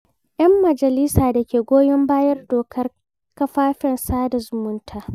Yan majalisa da ke goyon bayan dokar kafafen sada zumunta